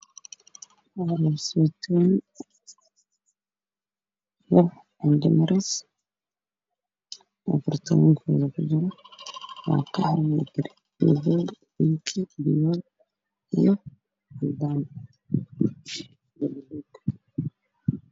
Meeshan wax ayaa loo waxyaalaha ay gabdhaha isku qur-ayaan sida roseedada